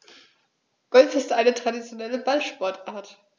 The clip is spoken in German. Golf ist eine traditionelle Ballsportart.